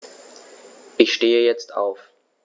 Ich stehe jetzt auf.